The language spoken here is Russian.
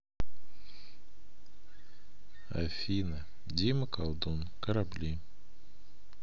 афина дима колдун корабли